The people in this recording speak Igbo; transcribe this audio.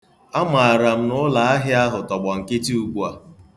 Amara m na ụlọahịa ahụ tọgbọ nkịtị ugbu a.